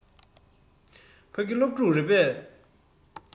ཕ གི སློབ ཕྲུག རེད པས